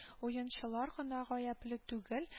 Уенчылар гына гаяпле түгел